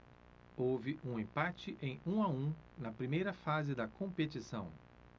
houve empate em um a um na primeira fase da competição